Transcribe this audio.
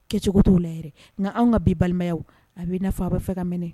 Kɛcogo tɛ'o la yɛrɛ nka anw ka bi balimaya a bɛ na fɔ a bɛa fɛ ka m